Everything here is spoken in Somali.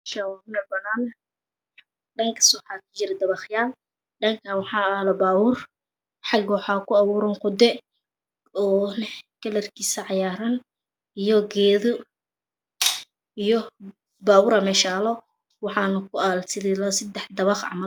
Meshaan waa meel Banaan dhankaas waxaa kajira dapaqyaal dhankaan waxaa yalo pabuur xaga waxaa ku aburan qude oo leh kalarkiisa cagaaran iyo geedo papuraa mesha yaalo waxaana kuyala sadax dapaq cmal